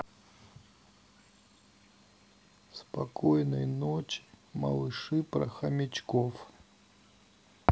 спокойной ночи малыши про хомячков